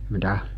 mitä